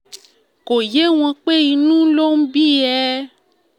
Kò yé wọn pé inú ló ń bí ẹ.